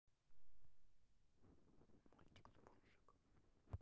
мультик спунжик